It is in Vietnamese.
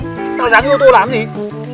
dáng với ô tô làm gì